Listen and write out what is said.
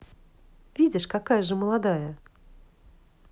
видишь какая же молодая